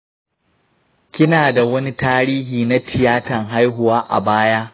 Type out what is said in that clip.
kina da wani tarihi na tiyatan haihuwa a baya?